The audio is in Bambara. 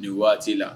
Ni waati la.